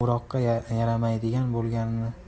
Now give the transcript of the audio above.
uni o'roqqa yaramaydigan